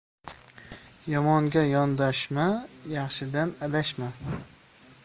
yomonga yondashma yaxshidan adashma